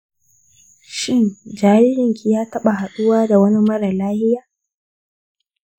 shin jaririnki ya taba haduwa da wani marar lafiya?